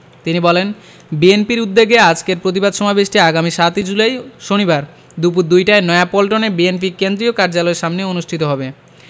তিনি বলেন বিএনপির উদ্যোগে আজকের প্রতিবাদ সমাবেশটি আগামী ৭ জুলাই শনিবার দুপুর দুইটায় নয়াপল্টনের বিএনপি কেন্দ্রীয় কার্যালয়ের সামনে অনুষ্ঠিত হবে